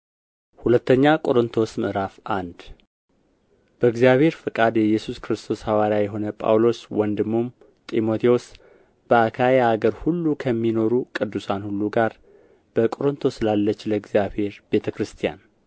ሁለተኛ ቆሮንቶስ ምዕራፍ አንድ በእግዚአብሔር ፈቃድ የኢየሱስ ክርስቶስ ሐዋርያ የሆነ ጳውሎስ ወንድሙም ጢሞቴዎስ በአካይያ አገር ሁሉ ከሚኖሩ ቅዱሳን ሁሉ ጋር በቆሮንቶስ ላለች ለእግዚአብሔር ቤተ ክርስቲያን